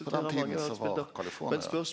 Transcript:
på den tiden så var California.